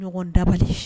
Ɲɔgɔn dabali